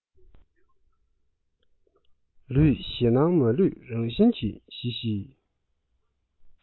ལུས ཞེད སྣང མ ལུས རང བཞིན གྱིས ཞི ཞི